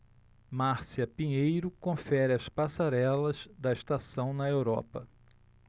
márcia pinheiro confere as passarelas da estação na europa